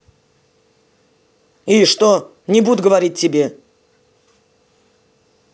и что не буду говорить тебе